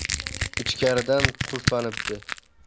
ichkaridan qulflanibdi